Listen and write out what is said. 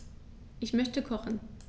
Ich möchte kochen.